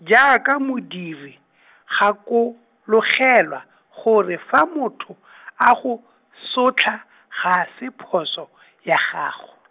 jaaka modiri , gakologelwa, gore fa motho , a go, sotla , ga se phoso , ya gago .